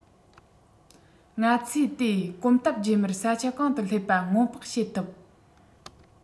ང ཚོས དེ གོམ སྟབས རྗེས མར ས ཆ གང དུ སླེབས པ སྔོན དཔག བྱེད ཐུབ